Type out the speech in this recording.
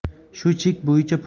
shu chek bo'yicha